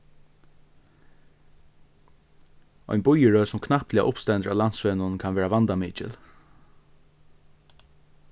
ein bíðirøð sum knappliga uppstendur á landsvegnum kann verða vandamikil